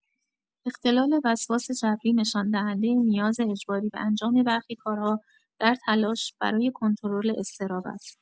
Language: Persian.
اختلال وسواس جبری نشان‌دهنده نیاز اجباری به انجام برخی کارها در تلاش برای کنترل اضطراب است.